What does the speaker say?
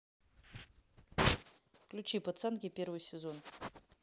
включи пацанки первый сезон